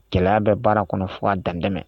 Gɛlɛya bɛ baara kɔnɔ fo ka dan tɛmɛ.